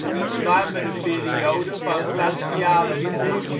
iets warmere perioden van glacialen voor